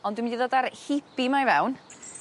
ond dwi mynd i ddod ar hebe 'ma i fewn